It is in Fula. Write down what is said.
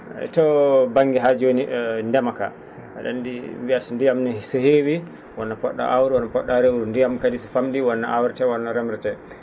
to ba?nge haa jooni e ndema kaa a?a anndi wiyaa so ndiyam so heewi holno po??a aawru holno po??a remru ndiyam kam so fam?iii wonno awretee wonno remretee